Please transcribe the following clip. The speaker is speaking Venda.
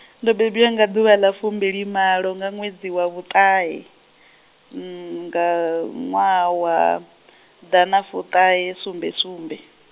ndo bebwa nga ḓuvha ḽa fumbilimalo nga ṅwedzi wa vhu ṱahe, nga ṅwaha wa, ḓanafuṱahesumbe sumbe.